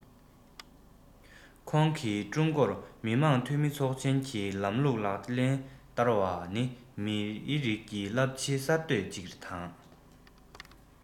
ཁོང གིས ཀྲུང གོར མི དམངས འཐུས མི ཚོགས ཆེན གྱི ལམ ལུགས ལག ལེན བསྟར བ ནི མིའི རིགས ཀྱི རླབས ཆེའི གསར གཏོད ཅིག དང